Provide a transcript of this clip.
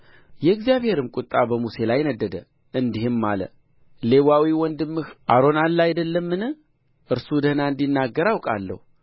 የእግዚአብሔርም ቍጣ በሙሴ ላይ ነደደ እንዲህም አለ ሌዋዊው ወንድምህ አሮን አለ አይደለምን እርሱ ደህና እንዲናገር አውቃለሁ